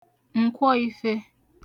ǹkwo ife